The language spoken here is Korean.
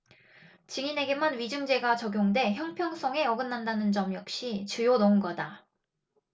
증인에게만 위증죄가 적용돼 형평성에 어긋난다는 점 역시 주요 논거다